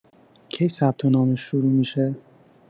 کی ثبت نامش شروع می‌شه؟